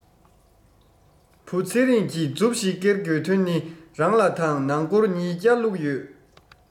བུ ཚེ རིང གྱི མཛུབ ཞིག ཀེར དགོས དོན ནི རང ལ དང ནང སྒོར ཉི བརྒྱ བླུག ཡོད